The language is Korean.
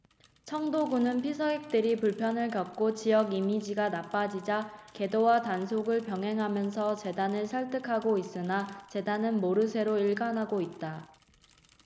청도군은 피서객들이 불편을 겪고 지역 이미지가 나빠지자 계도와 단속을 병행하면서 재단을 설득하고 있으나 재단은 모르쇠로 일관하고 있다